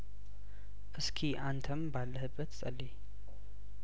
እስኪ አንተም ባለህበት ጸልይ